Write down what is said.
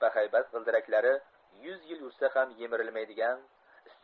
bahaybat g'ildiraklari yuz yil yursa ham yemirilmaydigan